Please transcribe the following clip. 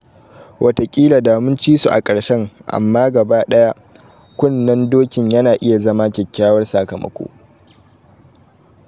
Wataƙila da mun ci su a ƙarshen amma, gaba ɗaya, kunnen dokin yana iya zama kyakkyawar sakamako.